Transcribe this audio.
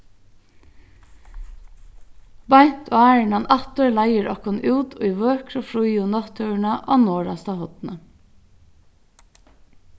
beint áðrenn hann aftur leiðir okkum út í vøkru fríu náttúruna á norðasta horni